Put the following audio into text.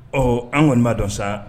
Ɔ an kɔni b'a don sa